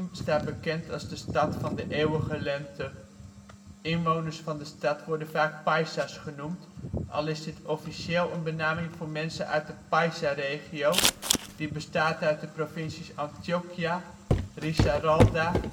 staat bekend als de stad van de eeuwige lente. Inwoners van de stad worden vaak Paisas genoemd, al is dit officieel een benaming voor mensen uit de Paisa regio die bestaat uit de provincies Antioquia, Risaralda